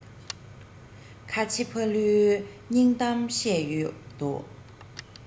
ཁ ཆེ ཕ ལུའི སྙིང གཏམ བཤད ཡོད དོ